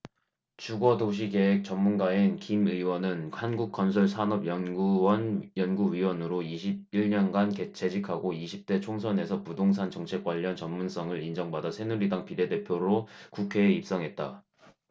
주거 도시계획 전문가인 김 의원은 한국건설산업연구원 연구위원으로 이십 일 년간 재직하고 이십 대 총선에서 부동산 정책 관련 전문성을 인정받아 새누리당 비례대표로 국회에 입성했다